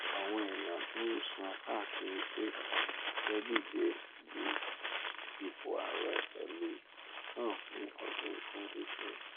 Àwọn èèyàn tí n sọ káàkiri pé ó fẹ́ díje ju ipò ààrẹ pẹlú Trump ni ọdún 2020.